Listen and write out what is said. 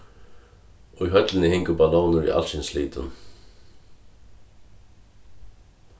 í høllini hingu ballónir í alskyns litum